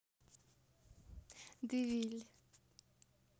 da'ville